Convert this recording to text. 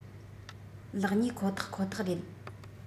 ལེགས ཉེས ཁོ ཐག ཁོ ཐག རེད